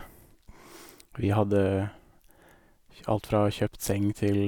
Vi hadde kj alt fra å kjøpt seng til...